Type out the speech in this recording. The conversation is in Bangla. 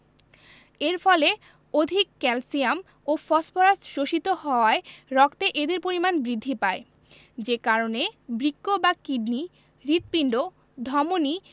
এর ফলে অধিক ক্যালসিয়াম ও ফসফরাস শোষিত হওয়ায় রক্তে এদের পরিমাণ বৃদ্ধি পায় যে কারণে বৃক্ক বা কিডনি হৃৎপিণ্ড ধমনি